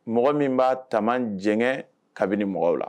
Mɔgɔ min b'a taama jgɛ kabini mɔgɔ la